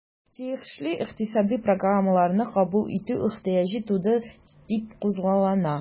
Тиешле икътисадый программаларны кабул итү ихтыяҗы туды дип күзаллана.